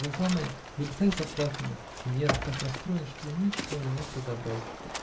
но глаза мои были так заплаканы и нервы так расстроены, что я ничего не мог разобрать